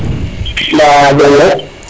mba jam rek